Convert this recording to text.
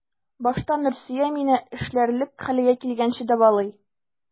Башта Нурсөя мине эшләрлек хәлгә килгәнче дәвалый.